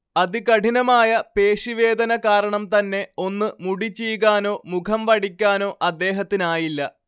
അതികഠിനമായ പേശി വേദന കാരണം തന്നെ ഒന്ന് മുടി ചീകാനോ മുഖം വടിക്കാനൊ അദ്ദേഹത്തിനായില്ല